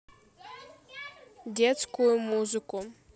детскую музыку